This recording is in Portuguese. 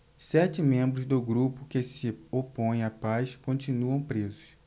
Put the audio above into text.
sete membros do grupo que se opõe à paz continuam presos